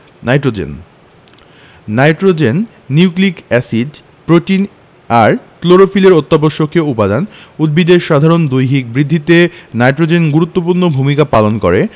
nitrogen nitrogen nucleic acid protein আর ক্লোরোফিলের অত্যাবশ্যকীয় উপাদান উদ্ভিদের সাধারণ দৈহিক বৃদ্ধিতে নাইট্রোজেন গুরুত্বপূর্ণ ভূমিকা পালন করে